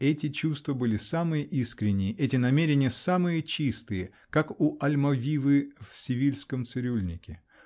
Эти чувства были самые искренние, эти намерения -- самые чистые, как у Альмавивы в "Севильском цирюльнике".